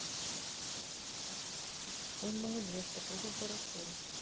он молодец покушал хорошо